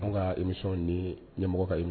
Anw ka émmition ye ɲɛmɔgɔ ka em